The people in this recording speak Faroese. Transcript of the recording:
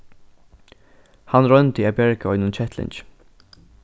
hann royndi at bjarga einum kettlingi